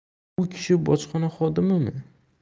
bu kishi bojxona xodimi